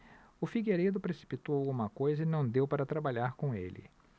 o figueiredo precipitou alguma coisa e não deu para trabalhar com ele